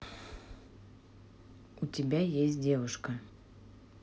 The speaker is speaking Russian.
у тебя есть девушка